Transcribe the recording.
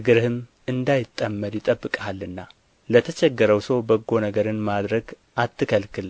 እግርህም እንዳይጠመድ ይጠብቅሃልና ለተቸገረው ሰው በጎ ነገርን ማድረግ አትከልክል